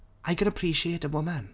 I can appreciate a woman.